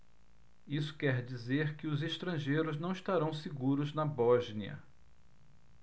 isso quer dizer que os estrangeiros não estarão seguros na bósnia